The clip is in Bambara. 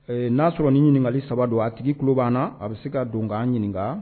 N'a sɔrɔ nin ɲininkali 3 don , a tigi tulo b'an na , n'a a bɛ se ka don k'a ɲininka!